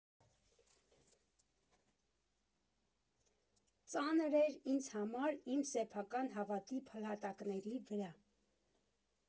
Ծանր էր ինձ համար իմ սեփական հավատի փլատակների վրա։